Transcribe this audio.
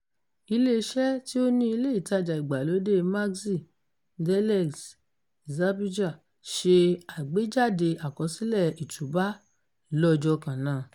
Ilé-iṣẹ́ tí ó ni ilé ìtajà-ìgbàlóde Maxi, Delez Srbija, ṣe àgbéjáde àkọsílẹ̀ ìtúúbá lọ́jọ́ kan náà.